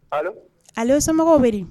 Aleo samamɔgɔw bɛ